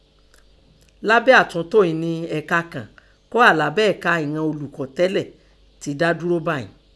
Lábẹ́ àtúntó ìín nẹ ẹ̀ka kàn kọ́ hà lábẹ́ ẹ̀ka ìnan olùkọ tẹ́lẹ̀ tẹ dá dúró báìín.